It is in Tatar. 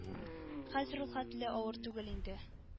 — хәзер ул хәтле авыр түгел инде